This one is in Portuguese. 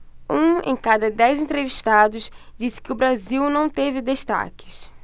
um em cada dez entrevistados disse que o brasil não teve destaques